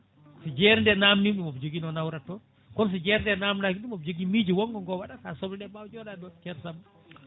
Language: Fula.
so jeere nde namdima omo jogui nowo nawrata toon kono so jeere nde namdaki ɗum omo jogui miijo wonggo go waɗata ha sobleɗe mbawa joɗade ɗon ceerno Samba